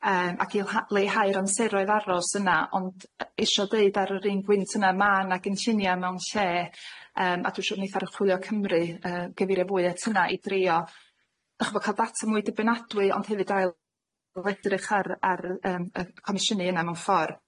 Yym ag i'l ha- leihau'r amseroedd aros yna ond, yy isio deud ar yr un gwynt yna ma' 'na gynllunia mewn lle yym a dwi siŵr neith Archwylio Cymru yy gyfeirio fwy at hyna i drio 'dych ch'mo' ca'l data mwy dibynadwy ond hefyd ail edrych ar ar y yym y comisiynu yna mewn ffor.